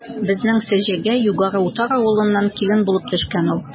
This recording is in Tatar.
Безнең Сеҗегә Югары Утар авылыннан килен булып төшкән ул.